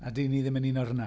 A 'dyn ni ddim yn un o rheina.